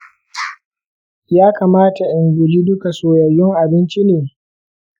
yakamata in guji duka soyayyun abinci ne?